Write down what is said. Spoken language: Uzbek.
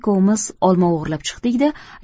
jamila ikkovimiz olma o'g'irlab chiqdik da